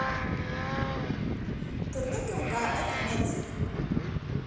турнир мк одиннадцать